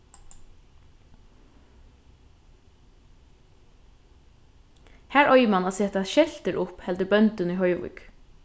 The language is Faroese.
har eigur mann at seta skeltir upp heldur bóndin í hoyvík